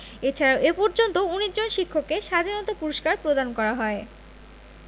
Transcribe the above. এছাড়াও এ পর্যন্ত ১৯ জন শিক্ষককে স্বাধীনতা পুরস্কার প্রদান করা হয়